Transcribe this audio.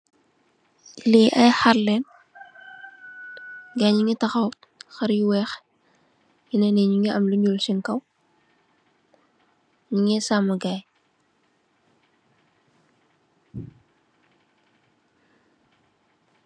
Lii ay xarr lange, gaayi nyu ngi taxaw, xar yu weex, nyu ngi am lu nyuul seen kow, nyu ngi am lu weex, nyu ngee saamu gaayi.